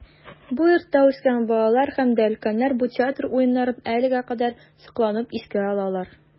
Бу йортта үскән балалар һәм дә өлкәннәр бу театр уеннарын әлегә кадәр сокланып искә алалар.